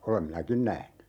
olen minäkin nähnyt